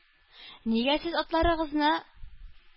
-нигә сез атларыгызны